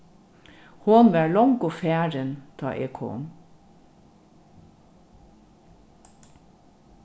hon var longu farin tá eg kom